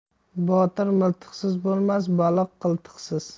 botir miltiqsiz bo'lmas baliq qiltiqsiz